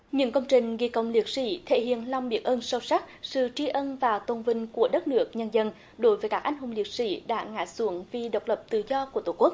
những công trình ghi công liệt sỹ thể hiện lòng biết ơn sâu sắc sự tri ân và tôn vinh của đất nước nhân dân đối với các anh hùng liệt sỹ đã ngã xuống vì độc lập tự do của tổ quốc